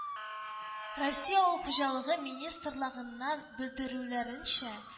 Россия Авыл хуҗалыгы министрлыгыннан белдерүләренчә